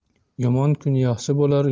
yomon kun yaxshi bo'lar